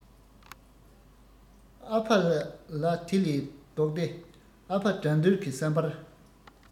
ཨ ཕ ལ དེ ལས ལྡོག སྟེ ཨ ཕ དགྲ འདུལ གི བསམ པར